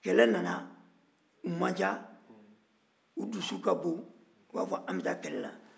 kɛlɛ nana u man ciya u dusu ka bon u b'a fɔ an bɛ taa kɛlɛ la